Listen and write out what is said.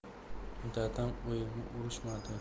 dadam oyimni urishmadi